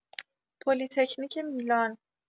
پلی‌تکنیک میلان